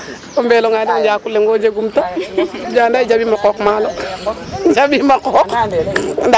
o mbeel onqe de o njaku leŋ o jegum taaga ndaa andaye jaɓiim a qooq maalo.